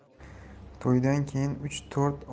to'ydan keyin uch to'rt oy